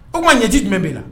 O ma ɲɛji jumɛn b'i la